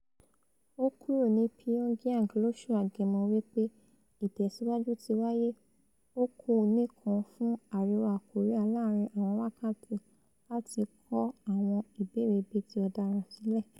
Ó kúró ní Pyongyang lóṣ̵ù Agẹmọ wí pé ìtẹ̀síwájú tíwáyé, ó kù níkan fún Àríwá Kòríà láàrin àwọn wákàtí láti kọ 'àwọn ìbéèrè bíiti-ọ̀daràn'' sílẹ̀.''